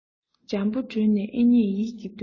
འཇམ པོ བསྒྲོན ནས ཨེ མཉེས ཡིད ཀྱིས ལྷོས